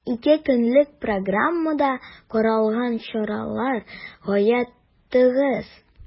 Ике көнлек программада каралган чаралар гаять тыгыз.